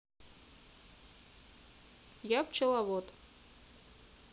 я пчеловод